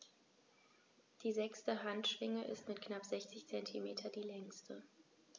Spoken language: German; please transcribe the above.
Die sechste Handschwinge ist mit knapp 60 cm die längste.